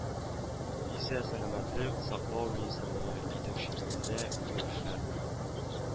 Исә сәламәтлек саклау министрлыгы итәкчелегендә үзгәрешләр